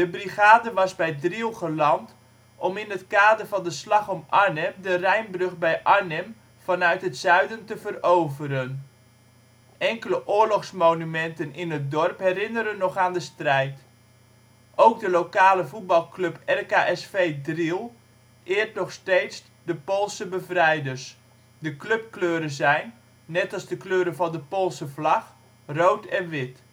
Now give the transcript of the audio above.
brigade was bij Driel geland om in het kader van de Slag om Arnhem de Rijnbrug bij Arnhem vanuit het zuiden te veroveren. Enkele oorlogsmonumenten in het dorp herinneren nog aan de strijd. Ook de lokale voetbalclub, RKSV Driel, eert nog steeds de Poolse bevrijders; de clubkleuren zijn, net als de kleuren van de Poolse vlag, rood en wit